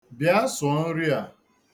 Bịa sụọ nri a.